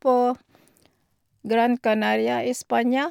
På Gran Canaria i Spania.